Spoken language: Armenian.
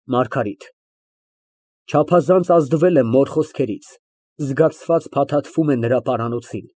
ՄԱՐԳԱՐԻՏ ֊ (Չափազանց ազդվել է մոր խոսքերից, զգացված փաթաթվում է նրա պարանոցին)։